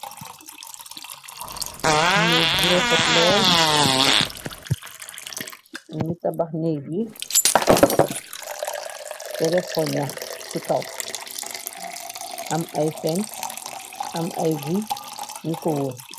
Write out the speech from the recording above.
nék bu refet lool ni tabax nég gi te ref ko ñax ci kaw am ay pens am ay guy ni ko wóor